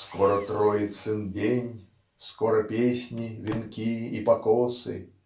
Скоро Троицын день, скоро песни, венки и покосы.